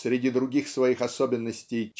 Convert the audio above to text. среди других своих особенностей